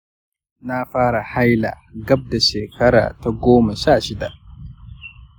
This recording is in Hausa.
na fara haila a gab da ƙarshen shekara ta goma sha shida